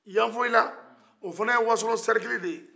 yafɔlila o fana ye wasolo sɛrigili de ye